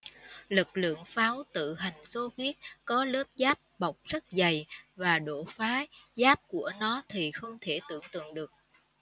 lực lượng pháo tự hành xô viết có lớp giáp bọc rất dày và độ phá giáp của nó thì không thể tưởng tượng được